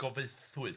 Gylfaethwy.